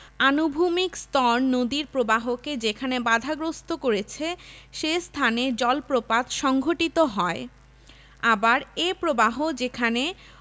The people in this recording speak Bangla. আনুভূমিক স্তর নদীর প্রবাহকে যেখানে বাধাগ্রস্ত করেছে সে স্থানে জলপ্রপাত সংঘটিত হয় আবার এ প্রবাহ যেখানে